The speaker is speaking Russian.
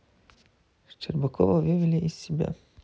щербакова вывели из себя